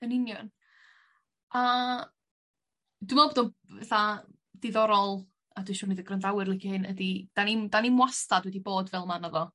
Yn union, a dwi me'wl bod o'n fatha diddorol a dwi siŵr fydd y grandawyr licio hyn ydi 'dan ni'm 'dan ni'm wastad wedi bod fel 'ma naddo?